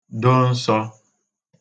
do nsọ̄